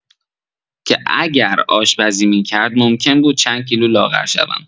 که اگر آشپزی می‌کرد ممکن بود چند کیلو لاغر شوم.